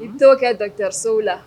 I' kɛ donso dɔgɔtɔrɔsow la